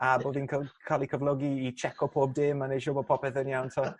A bod i'n ca'l ca'l 'u cyflogi i tsieco pob dim a neu' siw' bo' popeth yn iawn t'o'.